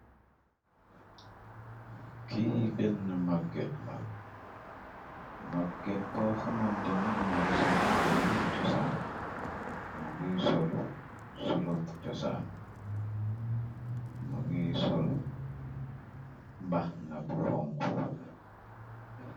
Kiy den na magget la mag get bo xamante ni mu ngi sol yeree cosaan mu ngi solu solu cosaan mu ngiy solo mbax na bu xonku.